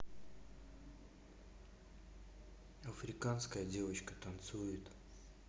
африканская девочка танцует